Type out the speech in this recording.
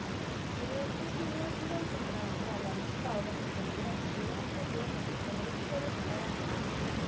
이를 포진 후 신경통이라 하며 완치가 어렵기 때문에 질환 초기에 적극적으로 치료를 받아야 한다